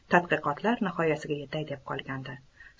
tadqiqotlar nihoyasiga yetay deb qolgan edi